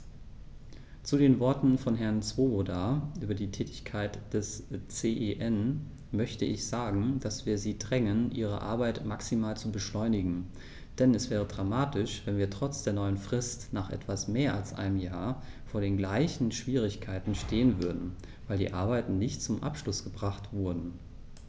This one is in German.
Zu den Worten von Herrn Swoboda über die Tätigkeit des CEN möchte ich sagen, dass wir sie drängen, ihre Arbeit maximal zu beschleunigen, denn es wäre dramatisch, wenn wir trotz der neuen Frist nach etwas mehr als einem Jahr vor den gleichen Schwierigkeiten stehen würden, weil die Arbeiten nicht zum Abschluss gebracht wurden.